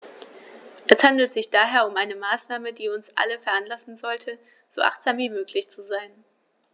Es handelt sich daher um eine Maßnahme, die uns alle veranlassen sollte, so achtsam wie möglich zu sein.